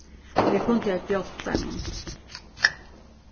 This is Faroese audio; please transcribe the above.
vit kundu havt hjálpt teimum